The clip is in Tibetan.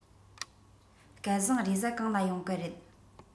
སྐལ བཟང རེས གཟའ གང ལ ཡོང གི རེད